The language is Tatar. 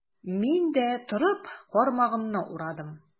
Мин дә, торып, кармагымны урадым.